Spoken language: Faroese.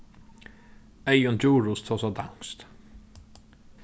eyðun djurhuus tosar danskt